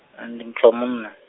a ndi wa munna .